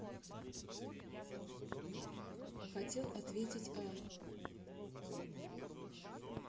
хотел ответить а